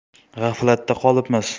g'aflatda qolibmiz